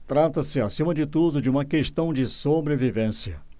trata-se acima de tudo de uma questão de sobrevivência